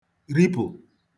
ripụ̀